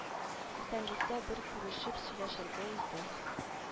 Исәнлектә бер күрешеп сөйләшергә иде